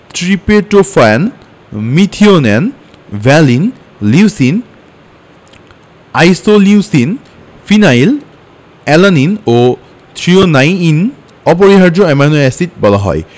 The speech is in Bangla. tryptophan methionine valine leucine isoleucine phenyl alanine ও থ্রিওনাইনকে অপরিহার্য অ্যামাইনো এসিড বলা হয়